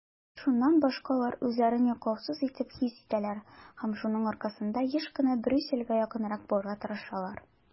Шуннан башка алар үзләрен яклаусыз итеп хис итәләр һәм шуның аркасында еш кына Брюссельгә якынрак булырга тырышалар.